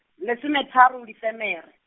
lesome tharo Desemere.